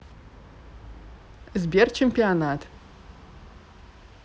сбер чемпионат